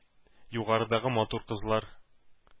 Югарыдагы матур кызлар,